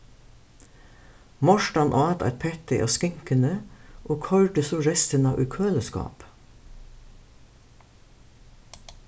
mortan át eitt petti av skinkuni og koyrdi so restina í køliskápið